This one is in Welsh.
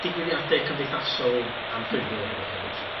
digwyddiadeu cymdeithasol anffurfiol hefy- hefyd 'lly.